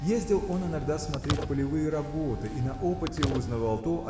Ездил он иногда смотреть полевые работы и на опыте узнавал то